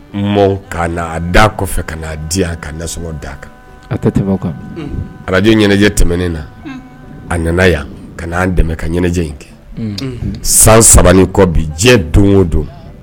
Mɔ'a da kɔfɛ ka'a di kasɔrɔɔgɔ d'a kan araj ɲɛnajɛ tɛmɛnen na a nana yan kaan dɛmɛ ka ɲɛnajɛ in kɛ san kɔ bi jɛ don o don